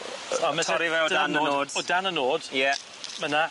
Yy torri fe o dan y nodes. O dan y node. Ie. Myn 'na.